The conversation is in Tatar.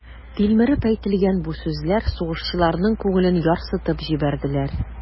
Тилмереп әйтелгән бу сүзләр сугышчыларның күңелен ярсытып җибәрделәр.